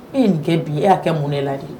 E nin kɛ bi e y'a kɛ mun ne la de ye